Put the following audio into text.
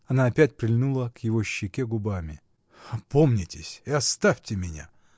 Она опять прильнула к его щеке губами. — Опомнитесь и оставьте меня!